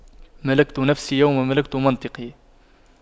ملكت نفسي يوم ملكت منطقي